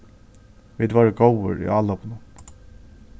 vit vóru góðir í álopinum